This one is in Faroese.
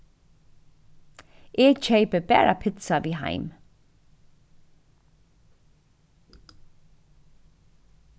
eg keypi bara pitsa við heim